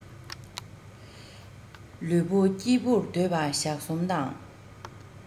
ལུས པོ སྐྱིད པོར སྡོད པ ཞག གསུམ དང